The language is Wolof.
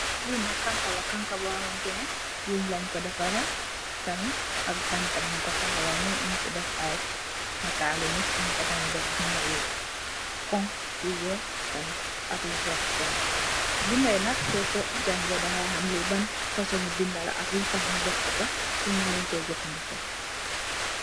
Li nak kanka la kanka bohamanteh neh wenj lengko defereh tamit ak banta nyungko tahawal ni nyungfi def i natali nit nyungfa tamit def binda nyu hunhu yu weih tamit ak nyu verteh tamit bindai nk soko jangeh danga ham li ban fosum binda la ak lutah nyu def kofa pul nyu munko jefandeko.